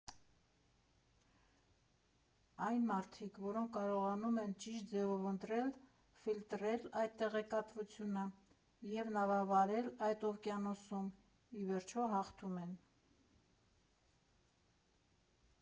Այն մարդիկ, որոնք կարողանում են ճիշտ ձևով ընտրել, ֆիլտրել այդ տեղեկատվությունը և նավավարել այդ օվկիանոսում, ի վերջո հաղթում են։